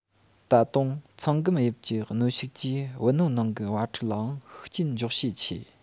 ད དུང མཚང སྒམ དབྱིབས ཀྱིས གནོན ཤུགས ཀྱིས བུ སྣོད ནང གི བ ཕྲུག ལའང ཤུགས རྐྱེན འཇོག ཤས ཆེ